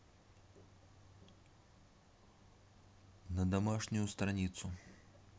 на домашнюю страницу